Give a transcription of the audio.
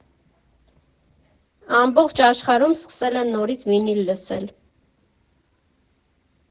Ամբողջ աշխարհում սկսել են նորից վինիլ լսել։